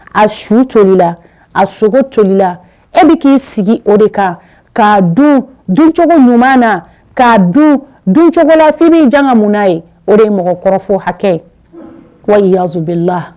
A su cogo la a sogo cogo la e bɛ k'i sigi o de kan k'acogo na k'a ducogola i' janga muna ye o de ye mɔgɔkɔrɔ hakɛ wa yazla